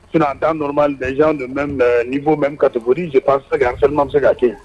F dan n ninnuma lajɛc don bɛbɛn ni bɔbɛn ka tɛmɛuru jɛp fɛ fɛnma bɛ se ka kɛ